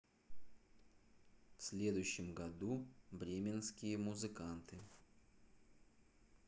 в следующем году бременские музыканты